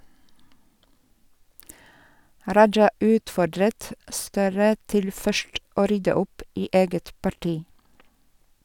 Raja utfordret Støre til først å rydde opp i eget parti.